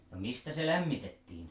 no mistä se lämmitettiin